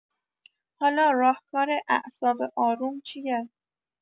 حالا راهکار اعصاب آروم چیه؟